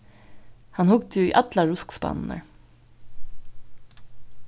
hann hugdi í allar ruskspannirnar